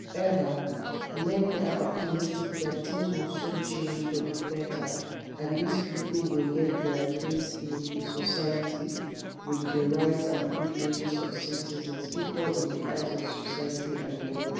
However, many are optimistic that things will soon change for the better and these people will get their place in society with the rights and privileges of citizens equal in the eyes of society and the law.